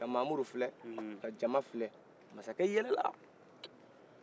ka mamudu filɛ ka jama filɛ masakɛ ɲɛlɛla